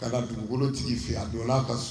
Ka dugukolo tigi fɛ a don la a ka so